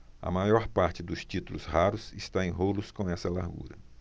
a maior parte dos títulos raros está em rolos com essa largura